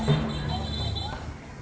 ư ư